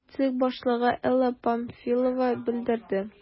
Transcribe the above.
ЦИК башлыгы Элла Памфилова белдерде: